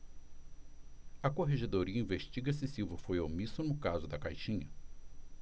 a corregedoria investiga se silva foi omisso no caso da caixinha